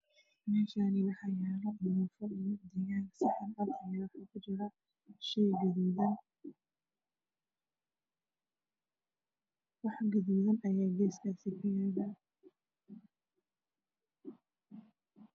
Meeshaani waxaa yaalo mugsi ah ahay gaduudan Aya miiska saaran